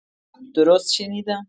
درست شنیدم؟